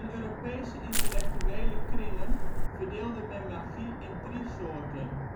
Europese intellectuele kringen verdeelde men magie in drie soorten